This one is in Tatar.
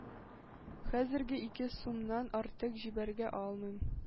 Хәзергә ике сумнан артык җибәрә алмыйм.